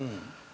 ja.